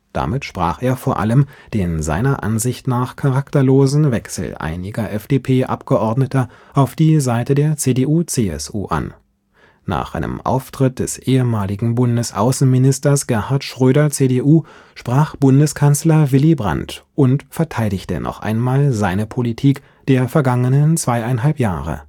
Damit sprach er vor allem den seiner Ansicht nach charakterlosen Wechsel einiger FDP-Abgeordneter auf die Seite der CDU/CSU an. Nach einem Auftritt des ehemaligen Bundesaußenministers Gerhard Schröder (CDU) sprach Bundeskanzler Willy Brandt und verteidigte noch einmal seine Politik der vergangenen zweieinhalb Jahre